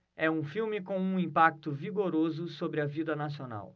é um filme com um impacto vigoroso sobre a vida nacional